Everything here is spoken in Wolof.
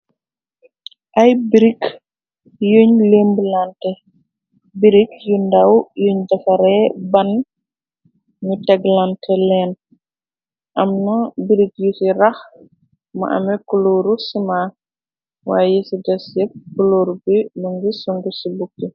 Ay birig yuñ limblante birig yu ndaw yuñ defare ban. Nyu teglante leen amna birig yu ci rax mu ame kuluuru sima. Wayyi ci des ci kuluur bi lu ngi sungu ci bukki.